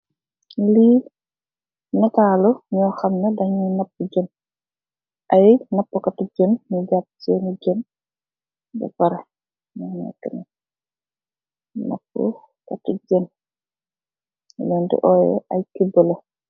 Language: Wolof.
Li nittali ño xam neh daggeh napu jen , ay napu katti jen ñu japu sééni Jen beh pareh ñu lèèn di óyeh ay cibalo.